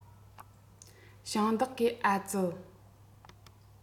ཞིང བདག གིས ཨ ཙི